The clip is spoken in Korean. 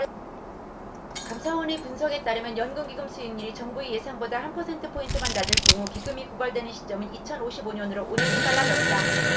감사원의 분석에 따르면 연금기금수익률이 정부의 예상보다 한 퍼센트포인트만 낮을 경우 기금이 고갈되는 시점은 이천 오십 오 년으로 오 년이 빨라졌다